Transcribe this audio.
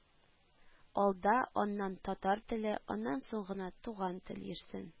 Алда, аннан «татар теле», аннан соң гына «туган тел» йөрсен